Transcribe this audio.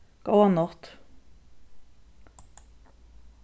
góða nátt